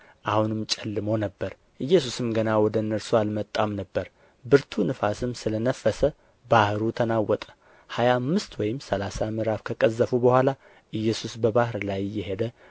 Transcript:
አሁንም ጨልሞ ነበር ኢየሱስም ገና ወደ እነርሱ አልመጣም ነበር ብርቱ ነፋስም ስለ ነፈሰ ባሕሩ ተናወጠ ሀያ አምስት ወይም ሠላሳ ምዕራፍ ከቀዘፉ በኋላም ኢየሱስ በባሕር ላይ እየሄደ